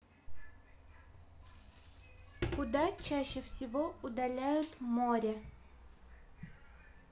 куда чаще всего удаляют море